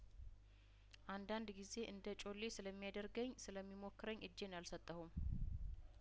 አንዳንድ ጊዜ እንደጮሌ ስለሚያደርገኝ ስለሚሞክረኝ እጄን አልሰጠሁም